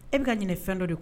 E bɛ ka ɲini fɛn dɔ de